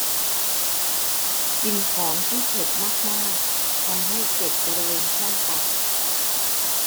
กินของที่เผ็ดมากมากทำให้เจ็บบริเวณช่องปาก